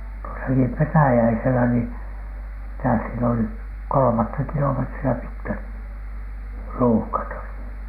tuossakin Petäjäisellä niin mitä siellä oli kolmatta kilometriä pitkät ruuhkat olivat